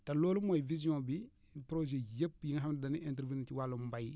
te loolu mooy vision bi projet yëpp yi nga xamante ne dañuy intervenir ci wàllum mbay